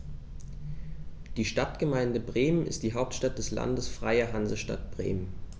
Die Stadtgemeinde Bremen ist die Hauptstadt des Landes Freie Hansestadt Bremen.